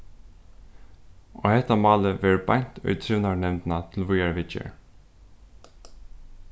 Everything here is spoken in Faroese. og hetta málið verður beint í trivnaðarnevndina til víðari viðgerð